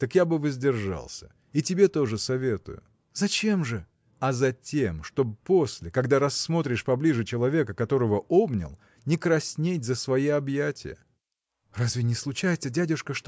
так я бы воздержался – и тебе тоже советую. – Зачем же? – А затем чтоб после когда рассмотришь поближе человека которого обнял не краснеть за свои объятия. – Разве не случается дядюшка